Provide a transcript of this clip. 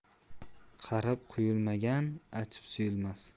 qarib quyulmagan achib suyulmas